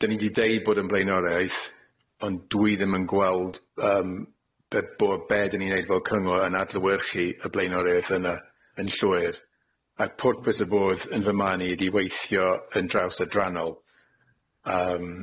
'dyn ni 'di 'deud bod o'n blaenoriaeth ond dwi ddim yn gweld yym be bo' be 'dyn ni'n 'neud fel cyngor yn adlewyrchu y blaenoriaeth yna yn llwyr a'r pwrpas y bwrdd yn fy marn i ydi weithio yn draws-adrannol yym,